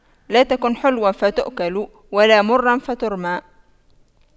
لا تكن حلواً فتؤكل ولا مراً فترمى